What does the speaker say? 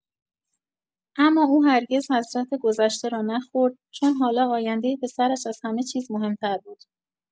اما او هرگز حسرت گذشته را نخورد، چون حالا آیندۀ پسرش از همه چیز مهم‌تر بود.